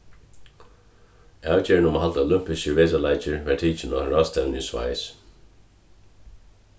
avgerðin um at halda olympiskir vetrarleikir varð tikin á ráðstevnu í sveis